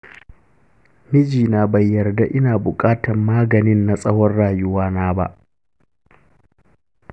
miji na bai yarda ina buƙatan maganin na tsawon rayuwana ba.